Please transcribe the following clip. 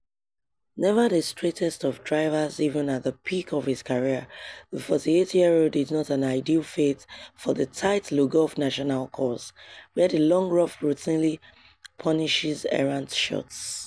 Never the straightest of drivers even at the peak of his career, the 48-year-old is not an ideal fit for the tight Le Golf National course, where the long rough routinely punishes errant shots.